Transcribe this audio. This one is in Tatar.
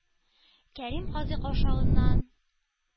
Кәрим казый каушавыннан